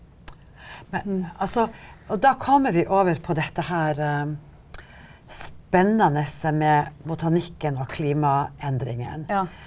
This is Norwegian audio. men altså og da kommer vi over på dette her spennende med botanikken og klimaendringen.